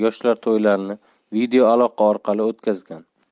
yoshlar to'ylarini videoaloqa orqali o'tkazgan